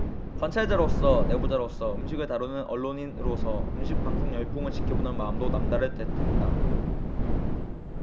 관찰자로서 내부자로서 음식을 다루는 언론인으로서 음식 방송 열풍을 지켜보는 마음도 남다를 듯했다